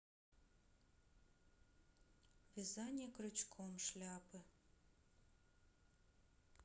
вязание крючком шляпы